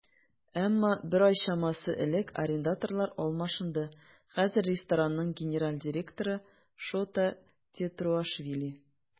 Әмма бер ай чамасы элек арендаторлар алмашынды, хәзер ресторанның генераль директоры Шота Тетруашвили.